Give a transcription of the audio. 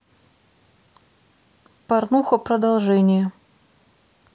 порнуха продолжение